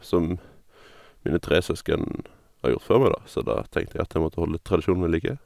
Som mine tre søsken har gjort før meg, da, så da tenkte jeg at jeg måtte holde tradisjonen ved like.